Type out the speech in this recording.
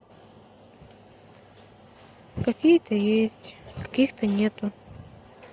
какие то есть каких то нету